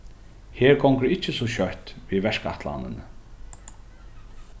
her gongur ikki so skjótt við verkætlanini